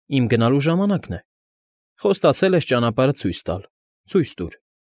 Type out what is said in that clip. Իմ գնալու ժամանակն է։ Խոստացել ես ճանապարհը ցույց տալ՝ ցույց տուր։ ֊